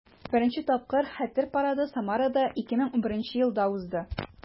Беренче тапкыр Хәтер парады Самарада 2011 елда узды.